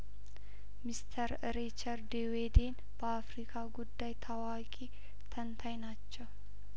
ሚስተር ሪቻርድ ዴዌ ዴን በአፍሪካ ጉዳይ ታዋቂ ተንታኝ ናቸው